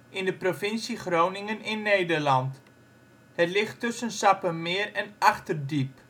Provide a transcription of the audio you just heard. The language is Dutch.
in de provincie Groningen in Nederland. Het ligt tussen Sappemeer en Achterdiep